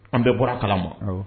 An bɛɛ bɔra kala ma